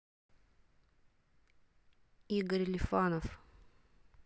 игорь лифанов